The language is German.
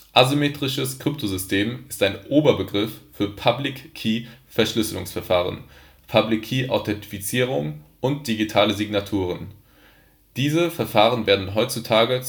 Asymmetrisches Kryptosystem “ist ein Oberbegriff für Public-Key-Verschlüsselungsverfahren, Public-Key-Authentifizierung und digitale Signaturen. Diese Verfahren werden heutzutage